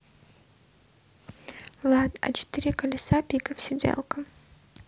влад а четыре колеса пиков сиделка